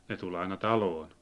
ne tuli aina taloon